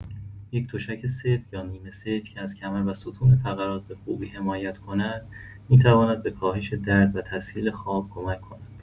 یک تشک سفت یا نیمه‌سفت که از کمر و ستون فقرات به‌خوبی حمایت کند، می‌تواند به کاهش درد و تسهیل خواب کمک کند.